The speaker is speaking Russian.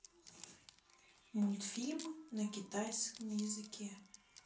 мультфильмы на китайском языке